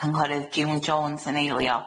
Cynghorydd June Jones yn eilio.